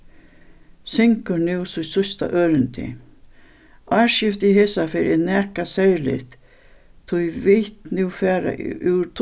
syngur nú sítt síðsta ørindi ársskiftið hesaferð er nakað serligt tí nú fara úr